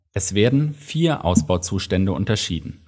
Es werden vier Ausbauzustände unterschieden